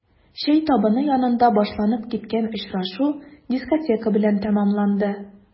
Чәй табыны янында башланып киткән очрашу дискотека белән тәмамланды.